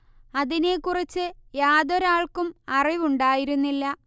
അതിനെക്കുറിച്ച് യാതൊരാൾക്കും അറിവുണ്ടായിരുന്നില്ല